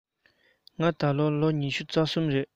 ང ད ལོ ལོ ཉི ཤུ རྩ གསུམ ཡིན